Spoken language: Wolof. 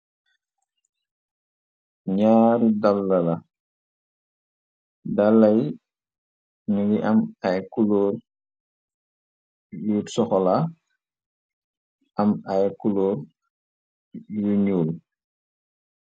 Ñaari dalla la, dalla yi mu ngi am ay kulóor yu soxola, am ay kuloor yu ñuul.